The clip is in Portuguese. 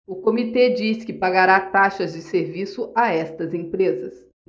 o comitê diz que pagará taxas de serviço a estas empresas